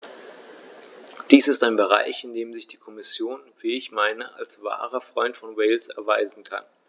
Dies ist ein Bereich, in dem sich die Kommission, wie ich meine, als wahrer Freund von Wales erweisen kann.